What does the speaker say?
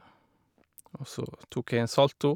Og så tok jeg en salto.